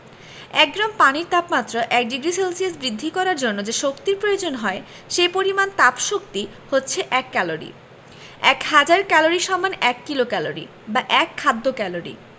এক গ্রাম পানির তাপমাত্রা ১ ডিগ্রি সেলসিয়াস বৃদ্ধি করার জন্য যে শক্তির প্রয়োজন হয় সে পরিমাণ তাপশক্তি হচ্ছে এক ক্যালরি এক হাজার ক্যালরি সমান এক কিলোক্যালরি বা এক খাদ্য ক্যালরি